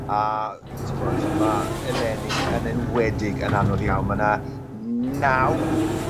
a t'mod ma' eleni yn enwedig yn anodd iawn ma' 'na naw